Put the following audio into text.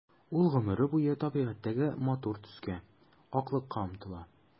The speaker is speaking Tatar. Ул гомере буе табигатьтәге матур төскә— аклыкка омтыла.